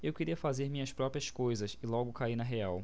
eu queria fazer minhas próprias coisas e logo caí na real